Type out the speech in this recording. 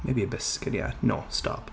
Maybe a bit skinnier. No, stop!